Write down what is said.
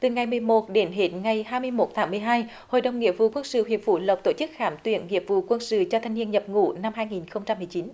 từ ngày mười một đến hết ngày hai mươi mốt tháng mười hai hội đồng nghĩa vụ quân sự huyện phú lộc tổ chức khám tuyển nghĩa vụ quân sự cho thanh niên nhập ngũ năm hai nghìn không trăm mười chín